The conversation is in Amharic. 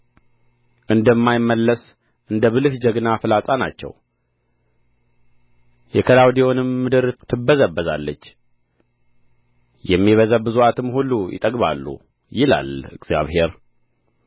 እንደማይመለስ እንደ ብልህ ጀግና ፍላጻ ናቸው የከላውዴዎንም ምድር ትበዘበዛለች የሚበዘብዙአትም ሁሉ ይጠግባሉ ይላል እግዚአብሔር